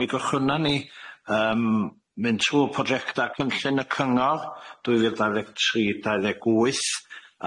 Mi gychwynnon ni yym mynd trw projecta cynllun y cyngor dwy fil dau ddeg tri dau ddeg wyth,